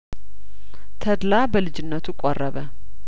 ተድላ በልጅነቱ ቆረበ